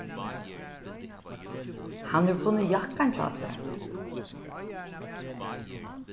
hann hevur funnið jakkan hjá sær